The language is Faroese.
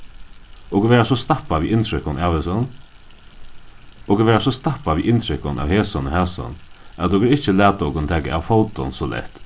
okur verða so stappað við inntrykkum av hesum okur verða so stappað við inntrykkum av hesum og hasum at okur ikki lata okum taka av fótum so lætt